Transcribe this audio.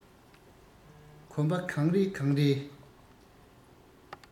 གོམ པ གང རེ གང རེས